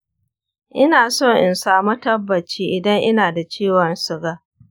ina so in samu tabbaci idan ina da ciwon suga.